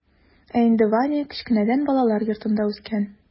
Ә инде ваня кечкенәдән балалар йортында үскән.